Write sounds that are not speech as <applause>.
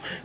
<hesitation>